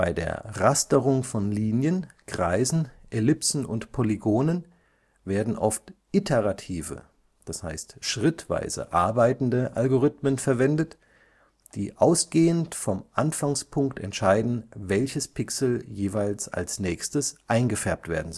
der Rasterung von Linien, Kreisen, Ellipsen und Polygonen werden oft iterative (schrittweise arbeitende) Algorithmen verwendet, die ausgehend vom Anfangspunkt entscheiden, welches Pixel jeweils als nächstes eingefärbt werden